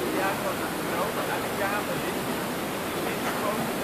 Jaco de Groot uit Kamerik in Linschoten